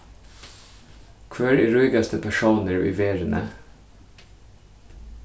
hvør er ríkasti persónur í verðini